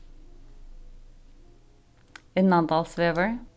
innandalsvegur